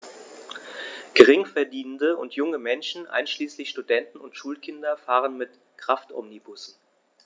Geringverdienende und junge Menschen, einschließlich Studenten und Schulkinder, fahren mit Kraftomnibussen.